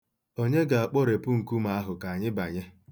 Onye ga-akpọrepụ nkume ahụ ka anyị banye?